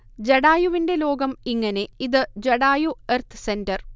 ജടായുവിന്റെ ലോകം ഇങ്ങനെ. ഇത് ജടായു എർത്ത് സെന്റർ